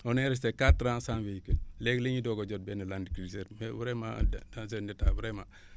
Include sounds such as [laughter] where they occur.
on est resté quatre ans sans véhicule léegi la ñuy doog a jot benn * mais vraiment dans un état vraiment [breath]